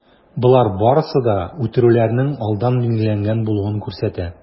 Болар барысы да үтерүләрнең алдан билгеләнгән булуын күрсәтә.